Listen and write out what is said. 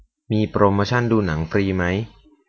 มีโปรโมชันดูหนังฟรีมั้ย